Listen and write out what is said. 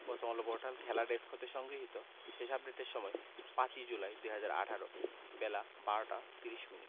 প্রথমআলো পোর্টালের খেলা ডেস্ক হতে সংগৃহীত শেষ আপডেটের সময় ৫ জুলাই ২০১৮ বেলা ১২টা ৩০মিনিট